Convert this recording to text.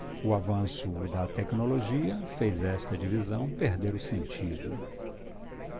o avanço da tecnologia fez esta divisão perder o sentido